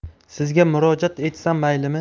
sizga murojaat etsam maylimi